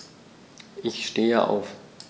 Ich stehe auf.